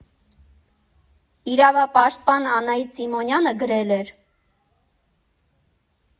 Իրավապաշտպան Անահիտ Սիմոնյանը գրել էր.